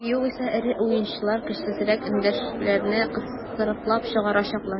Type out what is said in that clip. Югыйсә эре уенчылар көчсезрәк көндәшләрне кысрыклап чыгарачаклар.